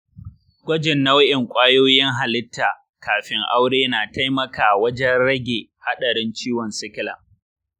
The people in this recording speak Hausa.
gwajin nau’in kwayoyin halitta kafin aure na taimaka wajen rage haɗarin ciwon sikila.